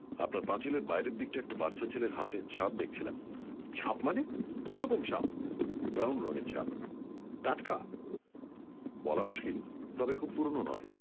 আপনার পাঁচিলের বাইরের দিকটায় একটা বাচ্চা ছেলের হাতের ছাপ দেখছিলাম ছাপ মানে কীরকম ছাপ ব্রাউন রঙের ছাপ টাটকা বলা মুশকিল তবে খুব পুরনো নয়